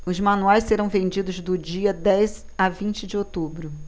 os manuais serão vendidos do dia dez a vinte de outubro